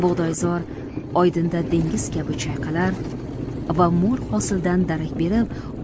bug'doyzor oydinda dengiz kabi chayqalar va mo'l hosildan darak berib